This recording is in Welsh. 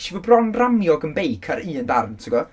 Ges i fy bron ramio gan beic ar un darn, ti'n gwbod?